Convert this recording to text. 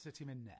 sa ti'n mynd ne